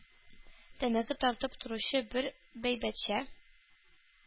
Тәмәке тартып торучы бер байбәтчә